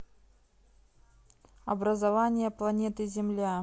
образование планеты земля